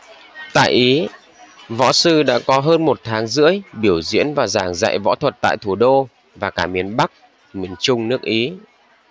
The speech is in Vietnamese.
tại ý võ sư đã có hơn một tháng rưỡi biểu diễn và giảng dạy võ thuật tại thủ đô và cả miền bắc miền trung nước ý